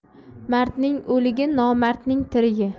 mardning o'ligi nomardning tirigi